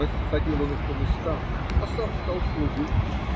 Рассадил он их по местам, а сам стал служить